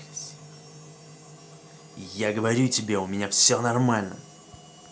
я говорю тебе у меня все нормально